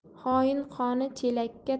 xoin qoni chelakka